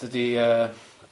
Dydi yy